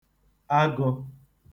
agụ̄